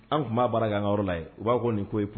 An tun b'a baara k'an ka yɔrɔ la yen u b'a fɔ nin koyi